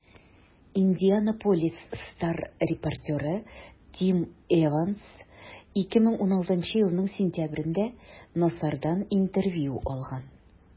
«индианаполис стар» репортеры тим эванс 2016 елның сентябрендә нассардан интервью алган.